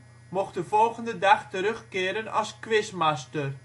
de volgende dag terugkeren als quizmaster